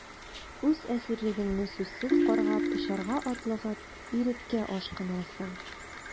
Үз әсирлегеңне сүзсез каргап, очарга атлыгып, иреккә ашкынасың...